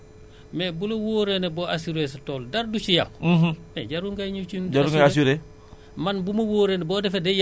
dëgg dëgg mooy loo xam ne wóoru la man li ma wóorul mais bu la wóoree ne boo assurer sa tool dara du ci yàqu